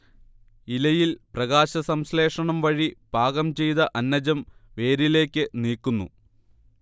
ഇലയിൽ പ്രകാശസംശ്ലേഷണം വഴി പാകം ചെയ്ത അന്നജം വേരിലേക്ക് നീക്കുന്നു